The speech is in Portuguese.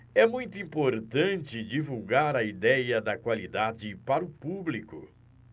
é muito importante divulgar a idéia da qualidade para o público